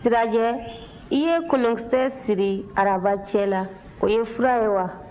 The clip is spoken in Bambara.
sirajɛ i ye kolonkisɛ siri araba cɛ la o ye fura ye wa